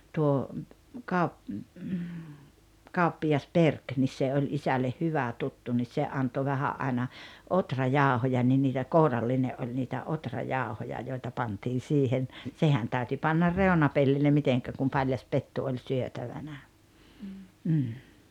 tuo - kauppias Berg niin se oli isälle hyvä tuttu niin se antoi vähän aina ohrajauhoja niin niitä kourallinen oli niitä ohrajauhoja joita pantiin siihen sehän täytyi panna reunapellille miten kun paljas pettu oli syötävänä mm